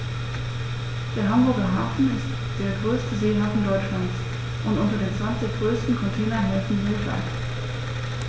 Der Hamburger Hafen ist der größte Seehafen Deutschlands und unter den zwanzig größten Containerhäfen weltweit.